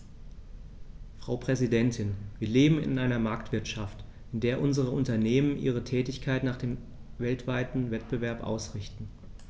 Frau Präsidentin, wir leben in einer Marktwirtschaft, in der unsere Unternehmen ihre Tätigkeiten nach dem weltweiten Wettbewerb ausrichten.